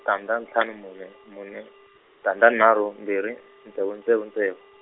tandza ntlhanu mune mune, tandza nharhu mbirhi, ntsevu ntsevu ntsevu.